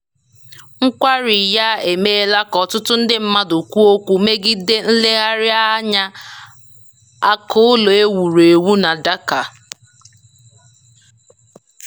Nkwari ya emeela ka ọtụtụ ndị mmadu kwuo okwu megide nleghara anya àkụ̀ ụlọ e wuru ewu na Dhaka.